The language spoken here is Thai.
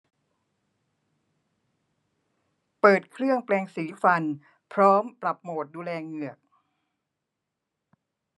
เปิดเครื่องแปรงสีฟันพร้อมปรับโหมดดูแลเหงือก